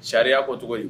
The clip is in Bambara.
Sariya ko cogo